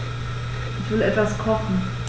Ich will etwas kochen.